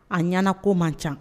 A ɲɛnako man ca